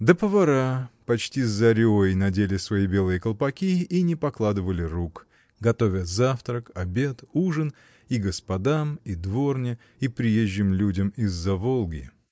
Да повара почти с зарей надели свои белые колпаки и не покладывали рук, готовя завтрак, обед, ужин — и господам, и дворне, и приезжим людям из-за Волги.